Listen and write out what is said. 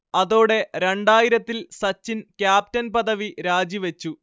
അതോടെ രണ്ടായിരത്തിൽ സച്ചിൻ ക്യാപ്റ്റൻ പദവി രാജിവച്ചു